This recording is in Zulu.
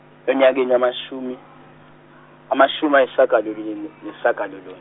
enyakeni wamashumi , amashumi ayishagalolunye ne- nesishagalolun-.